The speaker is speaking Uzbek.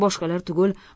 boshqalar tugul